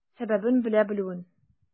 Сәбәбен белә белүен.